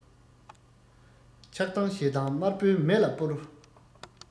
ཆགས སྡང ཞེ སྡང དམར པོའི མེ ལ སྤོར